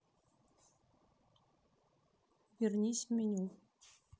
вернись в меню